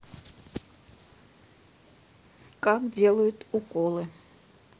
как делают уколы